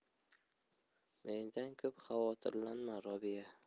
mendan ko'p xavotirlanma robiya